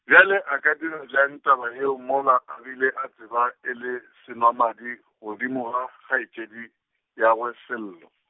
bjale a ka dira bjang taba yeo mola a bile a tseba e le senwamadi, godimo ga kgaetšediagwe Sello.